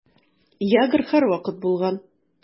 Ягр һәрвакыт булган.